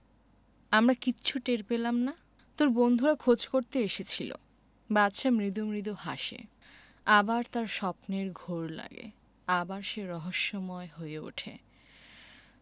আমরা কিচ্ছু টের পেলাম না তোর বন্ধুরা খোঁজ করতে এসেছিলো বাদশা মৃদু মৃদু হাসে আবার তার স্বপ্নের ঘোর লাগে আবার সে রহস্যময় হয়ে উঠে